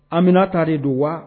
Anmina tari don wa